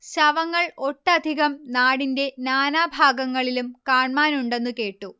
ശവങ്ങൾ ഒട്ടധികം നാടിന്റെ നാനാഭാഗങ്ങളിലും കാൺമാനുണ്ടെന്നു കേട്ടു